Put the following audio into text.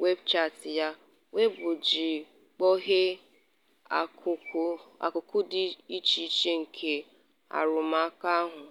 WeChat ya na Weibo iji kpughee akụkụ dị icheiche nke arụmụka ahụ.